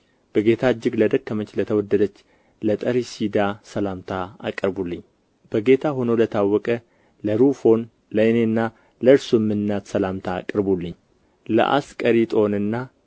በጌታ እጅግ ለደከመች ለተወደደች ለጠርሲዳ ሰላምታ አቅርቡልኝ በጌታ ሆኖ ለታወቀ ለሩፎን ለእኔና ለእርሱም እናት ሰላምታ አቅርቡልኝ ለአስቀሪጦንና